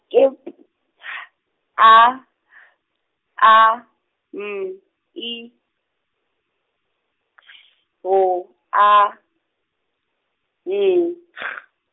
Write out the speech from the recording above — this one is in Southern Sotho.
ke P, H, A, H, A, M, I, S, W A, N, G.